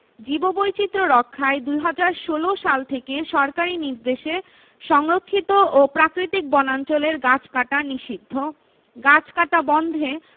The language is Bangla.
জীববৈচিত্র্য রক্ষায় ২০১৬ সাল থেকে সরকারি নির্দেশে সংরক্ষিত ও প্রাকৃতিক বনাঞ্চলের গাছ কাটা নিষিদ্ধ গাছ কাটা বন্ধে